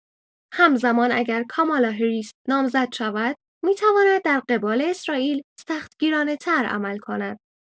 همزمان اگر کامالا هریس نامزد شود، می‌تواند در قبال اسرائیل سخت‌گیرانه‌تر عمل کند.